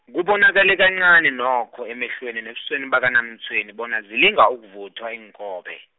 kubonakale kancani nokho emehlweni nebusweni bakaNaMtshweni bona zilinga ukuvuthwa iinkobe.